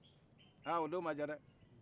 a o don maja dɛ